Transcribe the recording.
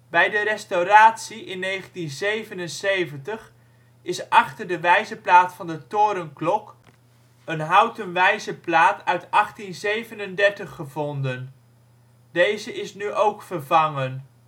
Bij de restauratie in 1977 is achter de wijzerplaat van de torenklok een houten wijzerplaat uit 1837 gevonden. Deze is nu ook vervangen